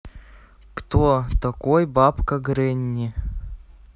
кто такой бабка гренни